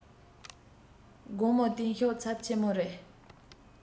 དགོང མོ བསྟན བཤུག ཚབས ཆེན མོ རེ